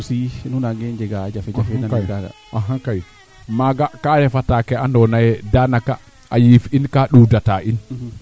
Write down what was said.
jokanjal kaaga nanga jega a jga weena ndeetlu wan ndaa xeesu mayee weena ndeet luwa keene